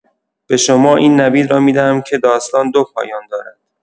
به شما این نوید را می‌دهم که داستان دو پایان دارد.